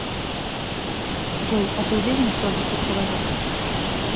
джой а ты уверена что алиса человек